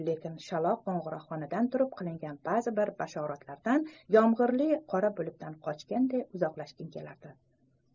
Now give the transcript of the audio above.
lekin shaloq qo'ng'iroqxona dan turib qilingan ba'zi bir bashoratlardan yomg'irli qora bulutdan qochganday uzoqlashging kelardi